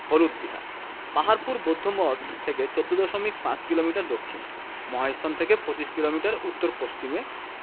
হলুদ বিহার পাহাড়পুর বৌদ্ধমঠ থেকে ১৪দশমিক ৫ কিলোমিটার দক্ষিণে মহাস্থান থেকে পঞ্চাশ কিলোমিটার উত্তর পশ্চিমে